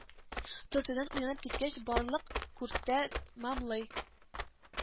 Төртүдән уянып киткәч, барлык күртәт мамлый